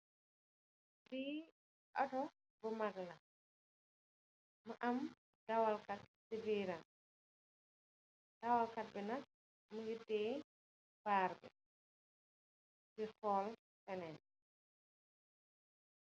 Lii otto bu mag la, otto bi mu ngi am dawal kat si biiram. Dawal kat bi nak mu ngi tiye baar bi, di xool ci kanam.